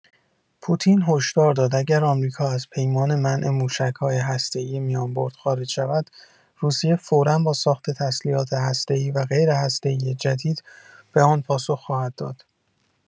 پوتین هشدار داد اگر آمریکا از پیمان منع موشک‌های هسته‌ای میانبرد خارج شود، روسیه فورا با ساخت تسلیحات هسته‌ای و غیرهسته‌ای جدید به آن پاسخ خواهد داد.